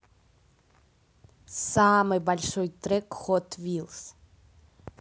самый большой трек hot wheels